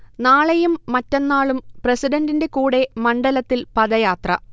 നാളെയും മറ്റന്നാളും പ്രസിഡന്റിന്റെ കൂടെ മണ്ഡലത്തിൽ പദയാത്ര